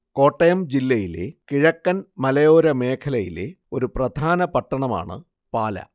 കോട്ടയം ജില്ലയിലെ കിഴക്കൻ മലയോര മേഖലയിലെ ഒരു പ്രധാന പട്ടണമാണ് പാലാ